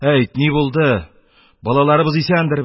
Әйт, ни булды? Балаларыбыз исәндер бит?